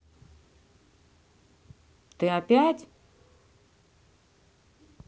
ты опять